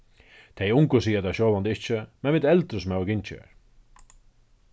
tey ungu siga tað sjálvandi ikki men vit eldru sum hava gingið har